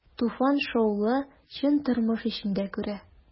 Туфан шаулы, чын тормыш эчендә күрә.